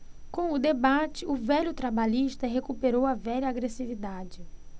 com o debate o velho trabalhista recuperou a velha agressividade